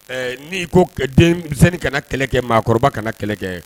N'i ko denmisɛnninni kana kɛlɛ kɛ mɔgɔkɔrɔba kana na kɛlɛ kɛ